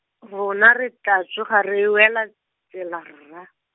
rona re tla tsoga re wela, tsela rra.